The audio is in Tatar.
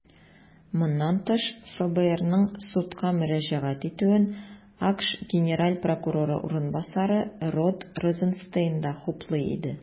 Моннан тыш, ФБРның судка мөрәҗәгать итүен АКШ генераль прокуроры урынбасары Род Розенстейн да хуплый иде.